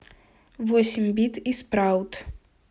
восемь бит и спраут